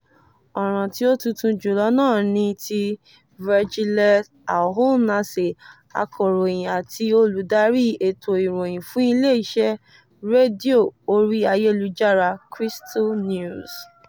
Ọ̀ràn tí ó tuntun jùlọ náà ni ti Virgile Ahouansè, akọ̀ròyìn àti olùdarí ètò ìròyìn fún ilé-iṣẹ́ rédíò orí ayélujára, Crystal News.